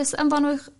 jyst anfonwch